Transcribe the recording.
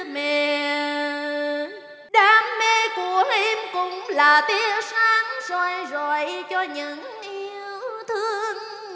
mẹ đam mê của em cũng là tia sáng soi rọi cho những yêu thương